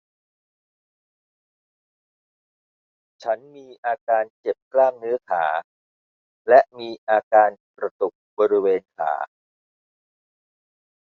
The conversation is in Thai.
ฉันมีอาการเจ็บกล้ามเนื้อขาและมีอาการกระตุกบริเวณขา